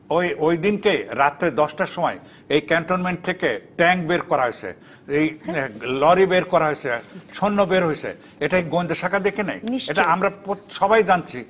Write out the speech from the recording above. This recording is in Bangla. ওই ওই দিনকে রাত দশটার সময় এ ক্যান্টনমেন্ট থেকে ট্যাংক বের করা হয়েছে লরি বের করা হয়েছে সৈন্য বের করা হয়েছে এটা কি গোয়েন্দা শাখা দেখেনাই নিশ্চয়ই এটা আমরা সবাই জানছি